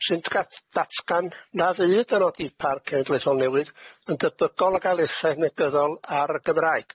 syntagat datgan na fyd yn oedipa'r cefn gleithol newydd yn debygol o ga'l effaith nebyddol ar y Gymraeg.